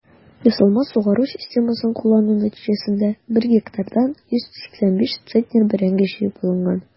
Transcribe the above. Ясалма сугару системасын куллану нәтиҗәсендә 1 гектардан 185 центнер бәрәңге җыеп алынган.